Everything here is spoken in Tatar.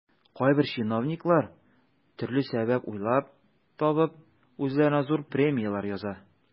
Кайбер чиновниклар, төрле сәбәп уйлап табып, үзләренә зур премияләр яза.